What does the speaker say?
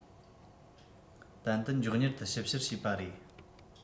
ཏན ཏན མགྱོགས མྱུར དུ ཞིབ བཤེར བྱས པ རེད